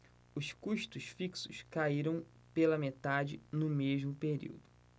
os custos fixos caíram pela metade no mesmo período